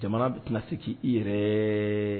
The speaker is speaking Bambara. Jamana bɛ tɛna se k' i yɛrɛ